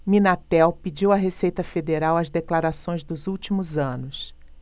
minatel pediu à receita federal as declarações dos últimos anos